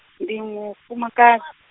ndi mufumakad-.